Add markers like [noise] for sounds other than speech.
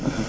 [hesitation] [hesitation]